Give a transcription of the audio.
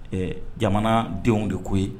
Ɛɛ jamanadenw de ko ye